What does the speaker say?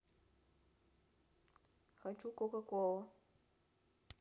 хочу кока кола